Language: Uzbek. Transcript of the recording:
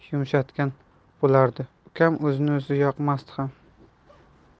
yumshatgan bo'lardi ukam o'zini o'zi yoqmasdi ham